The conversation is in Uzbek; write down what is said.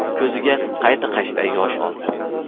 ko'ziga qayta qayta yosh oldi